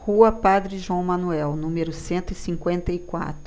rua padre joão manuel número cento e cinquenta e quatro